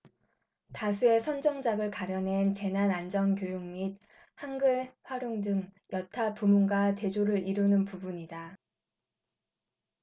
다수의 선정작을 가려낸 재난안전교육 및 한글 활용 등 여타 부문과 대조를 이루는 부분이다